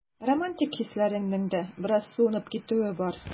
Романтик хисләреңнең дә бераз суынып китүе бар.